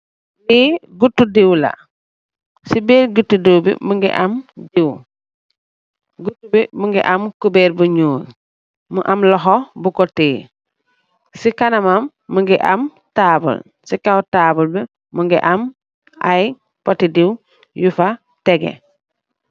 Lee gotu deew la se birr gotu deew be muge am deew gotu be muge am kuberr bu njol mu am lohou boku teye se kanamam muge am table se kaw table be muge am aye pote deew yufa tegeh.